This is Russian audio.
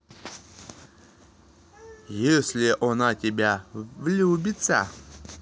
если она тебя влюбиться